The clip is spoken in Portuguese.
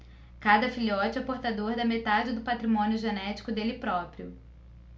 cada filhote é portador da metade do patrimônio genético dele próprio